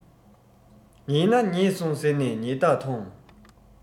ཉེས ན ཉེས སོང ཟེར ནས ཉེས གཏགས ཐོངས